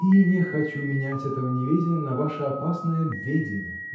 — И не хочу менять этого неведения на ваше опасное ведение.